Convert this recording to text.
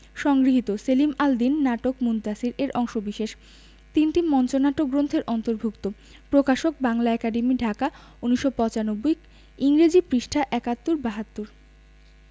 সংগৃহীত সেলিম আল দীন নাটক মুনতাসীর এর অংশবিশেষ তিনটি মঞ্চনাটক গ্রন্থের অন্তর্ভুক্ত প্রকাশকঃ বাংলা একাডেমী ঢাকা ১৯৯৫ ইংরেজি পৃঃ ৭১ ৭২